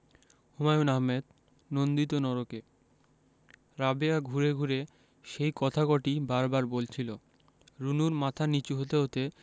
হুমায়ুন আহমেদ নন্দিত নরকে রাবেয়া ঘুরে ঘুরে সেই কথা কটিই বার বার বলছিলো রুনুর মাথা নীচু হতে হতে